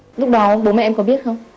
lúc đó bố mẹ em có biết không